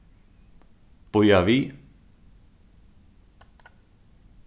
bíða við